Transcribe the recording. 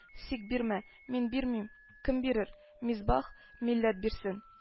Сик бирмә, мин бирмим, кем бирер? мисбах, милләт бирсен